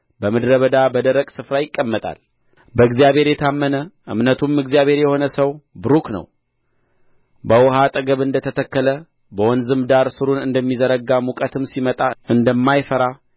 በምድረ በዳ በደርቅ ስፍራ ይቀመጣል በእግዚአብሔር የታመነ እምነቱም እግዚአብሔር የሆነ ሰው ቡሩክ ነው በውኃ አጠገብ እንደ ተተከለ በወንዝም ዳር ሥሩን እንደሚዘረጋ ሙቀትም ሲመጣ እንደማይፈራ